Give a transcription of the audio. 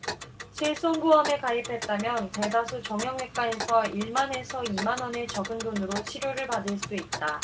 실손보험에 가입했다면 대다수 정형외과에서 일 만 에서 이 만원의 적은 돈으로 치료를 받을 수 있다